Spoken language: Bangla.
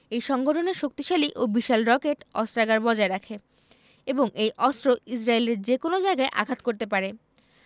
এই সংগঠনের শক্তিশালী ও বিশাল রকেট অস্ত্রাগার বজায় রাখে এবং এই অস্ত্র ইসরায়েলের যেকোনো জায়গায় আঘাত করতে পারে